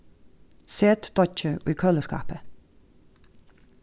set deiggið í køliskápið